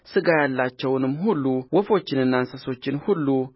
ሥጋ ያላቸውን ሁሉ ወፎችንና እንስሶችን ሁሉ